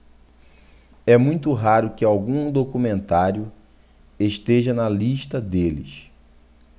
é muito raro que algum documentário esteja na lista deles